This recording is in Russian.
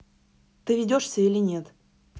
ты ведешься или нет